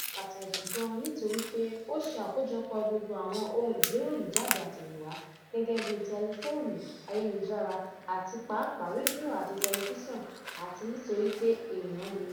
Ó ṣe pàtàkì gan-an nítorí pé ó ṣe àkójọpọ̀ gbogbo àwọn ohun ìgbéròyìnjáde àtẹ̀yìnwá, gẹ́gẹ́ bíi tẹlifóònù, ayélujára, àti pàápàá rédíò àti telifísàn, àti nítorípé èèyàn le: 1.